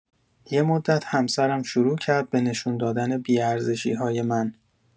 یه مدت همسرم شروع کرد به نشون دادن بی‌ارزشی‌های من.